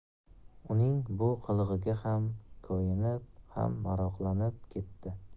uning bu qilig'iga ham koyinib ham maroqlanib ketdi